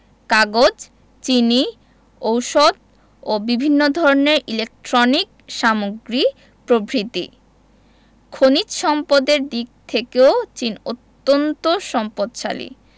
কাগজ চিনি ঔষধ ও বিভিন্ন ধরনের ইলেকট্রনিক্স সামগ্রী প্রভ্রিতি খনিজ সম্পদের দিক থেকেও চীন অত্যান্ত সম্পদশালী